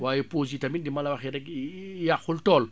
waaye pauses yi tamit ni ma la waxee rekk yàqul tool